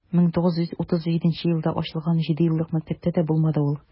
1937 елда ачылган җидееллык мәктәптә дә булмады ул.